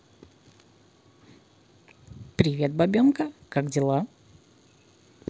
привет бабенка как дела